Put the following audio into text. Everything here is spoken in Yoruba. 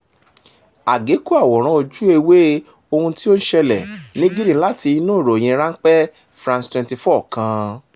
Àgékù àwòrán ojú-ewé ohun tí ó ń ṣẹlẹ̀ ní Guinea láti inú ìròyìn ránpẹ́ France 24 kan.